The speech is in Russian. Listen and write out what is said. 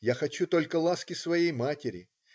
Я хочу только ласки своей матери.